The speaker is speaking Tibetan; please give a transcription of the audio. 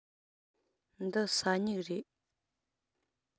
འདི ས སྨྱུག རེད